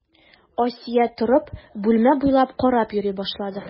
Асия торып, бүлмә буйлап карап йөри башлады.